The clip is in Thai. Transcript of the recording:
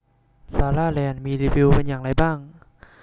ลาลาแลนด์มีรีวิวเป็นอย่างไรบ้าง